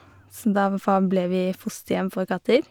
Så da vafa ble vi fosterhjem for katter.